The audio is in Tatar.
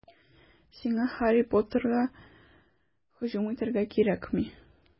Сиңа Һарри Поттерга һөҗүм итәргә кирәкми.